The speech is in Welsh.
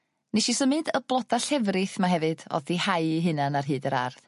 Nesh i symud y bloda llefrith 'ma hefyd o'dd 'di hau 'u hunan ar hyd yr ardd